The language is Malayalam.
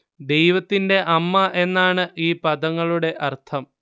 ദൈവത്തിന്റെ അമ്മ എന്നാണ് ഈ പദങ്ങളുടെ അർത്ഥം